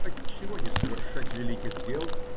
Отчего не совершать великих дел?